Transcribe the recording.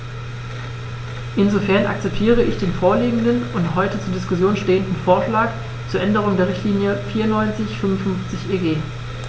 Insofern akzeptiere ich den vorliegenden und heute zur Diskussion stehenden Vorschlag zur Änderung der Richtlinie 94/55/EG.